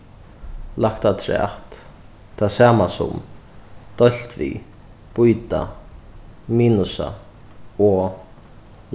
lagt afturat tað sama sum deilt við býta minusa og